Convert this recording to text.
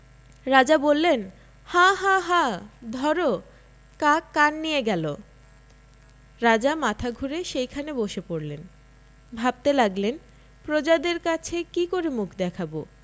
রাজা বললেন হাঁ হাঁ হাঁ ধরো কাক কান নিয়ে গেল রাজা মাথা ঘুরে সেইখানে বসে পড়লেন ভাবতে লাগলেন প্রজাদের কাছে কী করে মুখ দেখাব